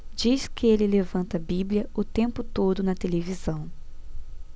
diz que ele levanta a bíblia o tempo todo na televisão